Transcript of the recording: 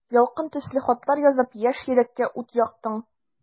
Ялкын төсле хатлар язып, яшь йөрәккә ут яктың.